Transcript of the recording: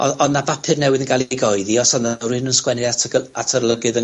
O' o' 'na bapur newydd yn ga'l 'i goeddi os o' 'na rywyun yn sgwennu at y gy- at yr olygydd yn